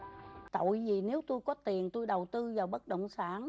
tội gì nếu tôi có tiền tôi đầu tư vào bất động sản